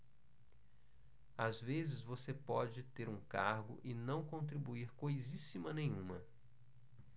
às vezes você pode ter um cargo e não contribuir coisíssima nenhuma